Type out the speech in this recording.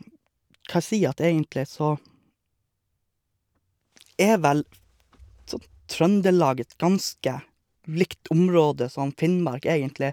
Hva jeg sier at egentlig så er vel sånn Trøndelag et ganske likt område som Finnmark, egentlig.